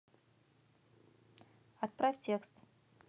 отправь текст